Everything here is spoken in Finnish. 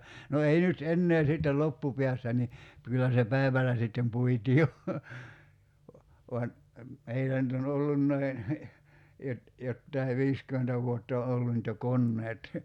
no ei nyt enää sitten loppupäässä niin kyllä se päivällä sitten puitiin jo vaan meillä nyt on ollutkin - jotakin viisikymmentä vuotta on ollut nyt jo koneet